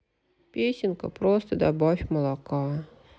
песенка просто добавь молока